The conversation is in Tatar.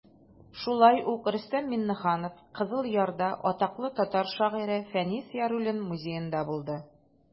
Шулай ук Рөстәм Миңнеханов Кызыл Ярда атаклы татар шагыйре Фәнис Яруллин музеенда булды.